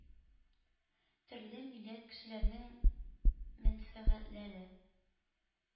Төрле милләт кешеләренең мәнфәгатьләре